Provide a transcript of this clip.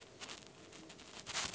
включи айдамир мугу черные глаза